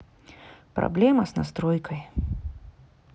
проблема с настройкой